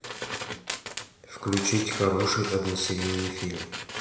включить хороший односерийный фильм